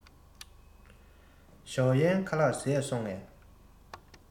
ཞའོ གཡན ཁ ལག བཟས སོང ངས